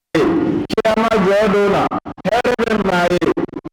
Sanunɛ jadu kelen yo